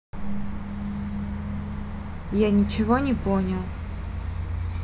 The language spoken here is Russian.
я ничего не понял